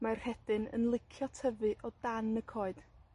Mae'r rhedyn yn licio tyfu o dan yn y coed.